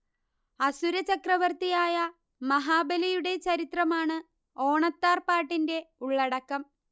അസുര ചക്രവർത്തിയായ മഹാബലിയുടെ ചരിത്രമാണ് ഓണത്താർ പാട്ടിന്റെ ഉള്ളടക്കം